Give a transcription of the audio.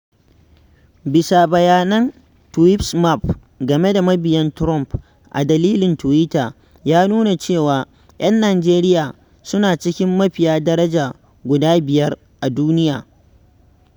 Bisa bayanan Tweepsmap game da mabiyan Trump a dandalin tiwita ya nuna cewa,'yan Najeriya suna cikin mafiya daraja guda biyar a duniya: